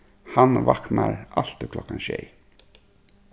hann vaknar altíð klokkan sjey